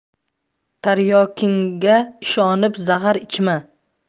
taryokingga ishonib zahar ichma